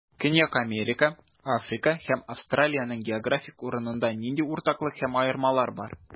Көньяк Америка, Африка һәм Австралиянең географик урынында нинди уртаклык һәм аермалар бар?